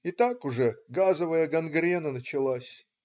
И так уже газовая гангрена началась".